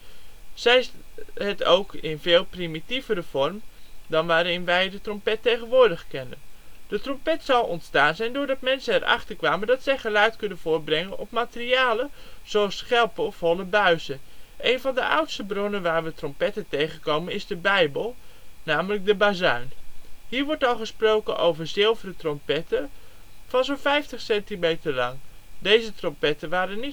zij het ook in een veel primitievere vorm dan waarin wij de trompet tegenwoordig kennen. De trompet zal ontstaan zijn, doordat mensen er achter kwamen dat zij geluid kunnen voortbrengen op materialen, zoals schelpen of holle buizen. Één van de oudste bronnen, waar we trompetten tegenkomen, is de Bijbel (bazuin). Hier wordt al gesproken over zilveren trompetten van zo 'n 50 centimeter lang. Deze trompetten waren